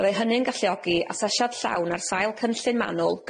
Bydde hynny'n galluogi aseshad llawn ar sail cynllun manwl